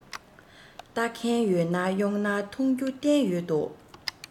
ལྟ མཁན ཡོད ན མ ཡོང ན མཐོང རྒྱུ བསྟན ཡོད དོ